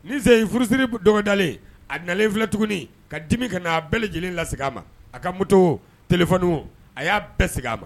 Ni sene furusiri dɔgɔda a nalen filɛ tugun ka dimi ka n'a bɛɛ lajɛlen lase a ma a ka moto tf a y'a bɛɛ segin a ma